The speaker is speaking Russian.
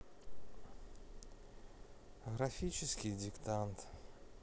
графический диктант